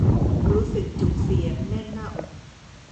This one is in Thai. รู้สึกจุกเสียดแน่นหน้าอก